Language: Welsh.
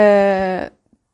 yy,